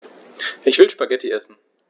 Ich will Spaghetti essen.